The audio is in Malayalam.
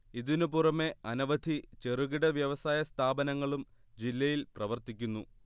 ഇതിനു പുറമേ അനവധി ചെറുകിട വ്യവസായ സ്ഥാപനങ്ങളും ജില്ലയിൽ പ്രവർത്തിക്കുന്നു